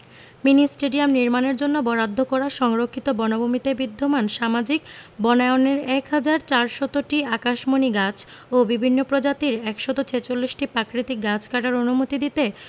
mini stadium নির্মাণের জন্য বরাদ্দ করা সংরক্ষিত বনভূমিতে বিদ্যমান সামাজিক বনায়নের ১ হাজার ৪০০টি আকাশমণি গাছ ও বিভিন্ন প্রজাতির ১৪৬টি প্রাকৃতিক গাছ কাটার অনুমতি দিতে